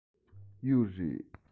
ཡོད རེད